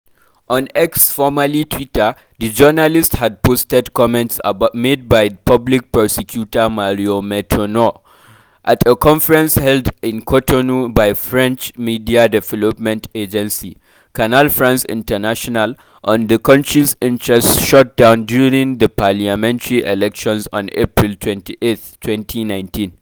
On X (formerly Twitter), the journalist had posted comments made by public prosecutor, Mario Metonou, at a conference held in Cotonou by French media development agency, Canal France International (CFI Médias), on the country's internet shutdown during the parliamentary elections on April 28, 2019;